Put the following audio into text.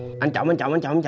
anh trọng anh trọng anh trọng